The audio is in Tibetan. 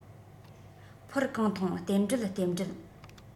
ཕོར གང འཐུང རྟེན འབྲེལ རྟེན འབྲེལ